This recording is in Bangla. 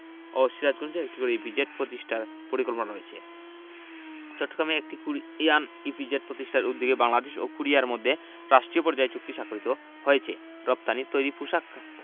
ও সিরাজগঞ্জে একটি করে ইপিজেড প্রতিষ্ঠার পরিকল্পনা রয়েছে চট্টগ্রামে একটি কোরিয়ান ইপিজেড প্রতিষ্ঠার উদ্দেশ্যে বাংলাদেশ ও কোরিয়ার মধ্যে রাষ্ট্রীয় পর্যায়ে চুক্তি স্বাক্ষরিত হয়েছে রপ্তানিঃ তৈরি পোশাক